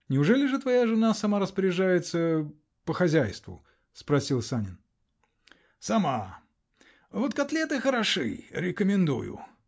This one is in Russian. -- Неужели же твоя жена сама распоряжается. по хозяйству? -- спросил Санин. -- Сама. Вот котлеты -- хороши. Рекомендую.